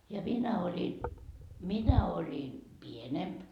ja minä olin minä olin pienempi